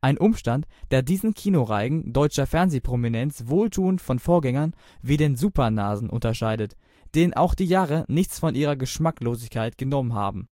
Ein Umstand, der diesen Kinoreigen deutscher Fernsehprominenz wohltuend von Vorgängern wie den Supernasen unterscheidet, denen auch die Jahre nichts von ihrer Geschmacklosigkeit genommen haben